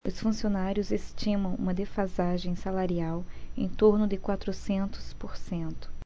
os funcionários estimam uma defasagem salarial em torno de quatrocentos por cento